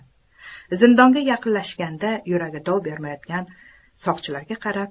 zindonga yaqinlashishga yuragi dov bermayotgan soqchilarga qarab